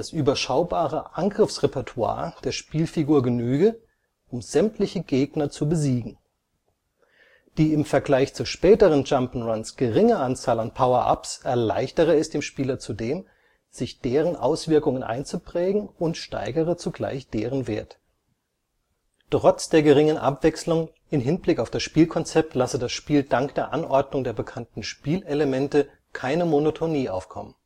überschaubare Angriffsrepertoire der Spielfigur genüge, um sämtliche Gegner zu besiegen. Die im Vergleich zu späteren Jump’ n’ Runs geringe Anzahl an Power-ups erleichtere es dem Spieler zudem, sich deren Auswirkungen einzuprägen, und steigere zugleich deren Wert. Trotz der geringen Abwechslung in Hinblick auf das Spielkonzept lasse das Spiel dank der Anordnung der bekannten Spielelemente keine Monotonie aufkommen